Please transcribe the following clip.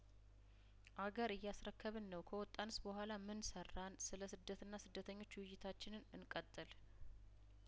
አገር እያስረከብን ነው ከወጣንስ በኋላ ምንሰራን ስለስደትና ስደተኞች ውይይታችንን እንቀጥል